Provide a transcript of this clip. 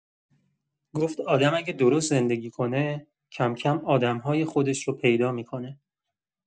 گفت آدم اگه درست زندگی کنه، کم‌کم آدم‌های خودش رو پیدا می‌کنه.